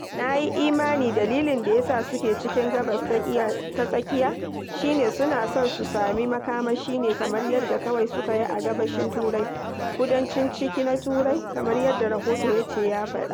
"Na yi imani dalilin da ya sa suke cikin Gabas ta Tsakiya shi ne suna son su sami makamashi ne kamar yadda kawai suka yi a gabashin Turai, kudancin ciki na Turai," kamar yadda rahoto ya ce ya faɗa.